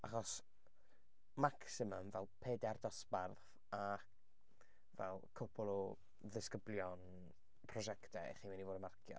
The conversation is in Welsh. Achos maximum fel pedair dosbarth a fel cwpl o ddisgyblion prosiectau 'y chi'n mynd i fod yn marcio.